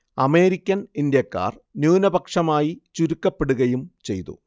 American ഇന്ത്യക്കാർ ന്യൂനപക്ഷമായി ചുരുക്കപ്പെടുകയും ചെയ്തു